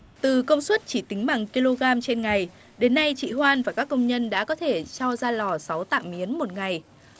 từ công suất chỉ tính bằng ki lô gam trên ngày đến nay chị hoan và các công nhân đã có thể cho ra lò sáu tạ miến một ngày